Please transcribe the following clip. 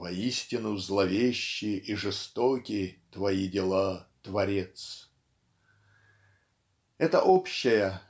"воистину зловещи и жестоки твои дела творец!" Эта общая